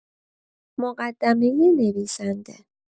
مقدمه نویسنده